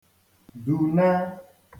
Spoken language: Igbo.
dùna